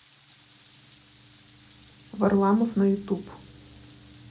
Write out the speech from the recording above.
варламов на ютуб